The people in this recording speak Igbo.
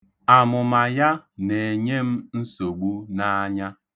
Amụma ya na-enye m nsogbu n'anya.